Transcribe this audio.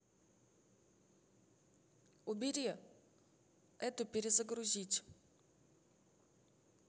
убери эту перезагрузить